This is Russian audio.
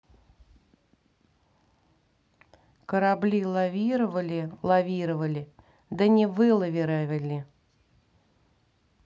корабли лавировали лавировали да не вылавировали